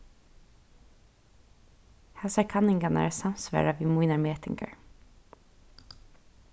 hasar kanningarnar samsvara við mínar metingar